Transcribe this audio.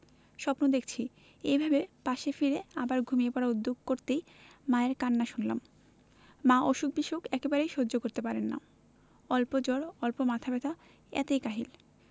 স্বপ্ন দেখছি এই ভেবে পাশে ফিরে আবার ঘুমিয়ে পড়ার উদ্যোগ করতেই মায়ের কান্না শুনলাম মা অসুখ বিসুখ একেবারেই সহ্য করতে পারেন না অল্প জ্বর অল্প মাথা ব্যাথা এতেই কাহিল